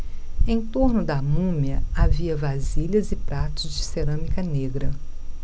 em torno da múmia havia vasilhas e pratos de cerâmica negra